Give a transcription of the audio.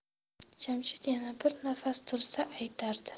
jamshid yana bir nafas tursa aytardi